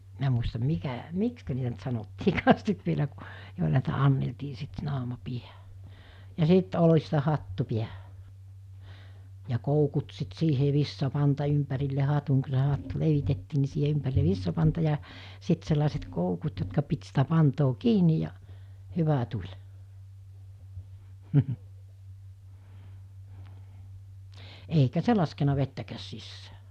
minä muista mikä miksi niitä nyt sanottiinkaan sitten vielä kun joilla niitä annettiin sitten sinne auman päähän ja sitten oljista hattu päähän ja koukut sitten siihen vitsapanta ympärille hatun kun se hattu levitettiin niin siihen ympärille vitsapanta ja sitten sellaiset koukut jotka piti sitä pantaa kiinni ja hyvä tuli eikä se laskenut vettäkään sisään